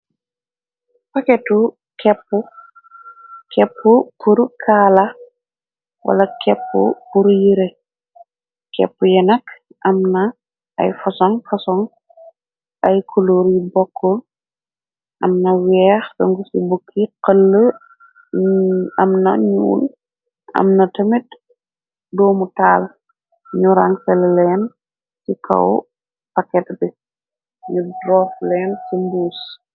Paketu kepp bur kaala wala kepp bur yire kepp yenak am na ay fasong fasoŋg ay kulur yu bokk amna weex dengu si bukki xëll am na ñuul amna tëmit duumu taal ñuran fel leen ci kaw paket bi ñu bopf leen ci mbuus.